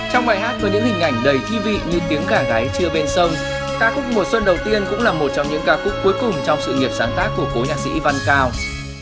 trong bài hát có những hình ảnh đầy thi vị như tiếng gà gáy trưa bên sông ca khúc mùa xuân đầu tiên cũng là một trong những ca khúc cuối cùng trong sự nghiệp sáng tác của cố nhạc sĩ văn cao